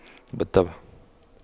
بالطبع